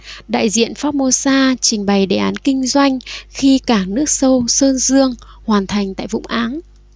đại diện formosa trình bày đề án kinh doanh khi cảng nước sâu sơn dương hoàn thành tại vũng áng